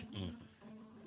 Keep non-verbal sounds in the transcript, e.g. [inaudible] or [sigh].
[hesitation] [hesitation]